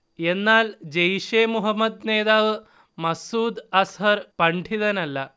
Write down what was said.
എന്നാൽ ജയ്ഷെ മുഹമ്മദ് നേതാവ് മസ്ഊദ് അസ്ഹർ പണ്ഡിതനല്ല